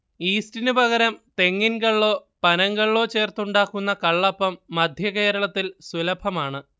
യീസ്റ്റിനു പകരം തെങ്ങിൻ കള്ളോ പനങ്കള്ളോ ചേർത്ത് ഉണ്ടാക്കുന്ന കള്ളപ്പം മധ്യകേരളത്തിൽ സുലഭമാണ്